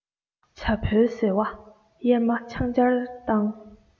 བྱ ཕོའི ཟེ བ གཡེར མ ཆང སྦྱར བཏང